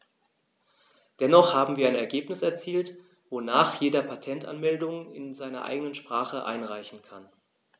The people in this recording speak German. Dennoch haben wir ein Ergebnis erzielt, wonach jeder Patentanmeldungen in seiner eigenen Sprache einreichen kann.